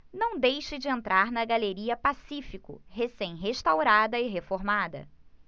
não deixe de entrar na galeria pacífico recém restaurada e reformada